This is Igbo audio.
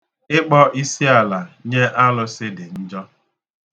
Ịkpọ isiala nye alụsi dị njọ.